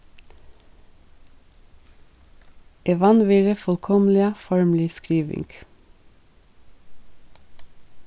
eg vanvirði fullkomiliga formlig skriving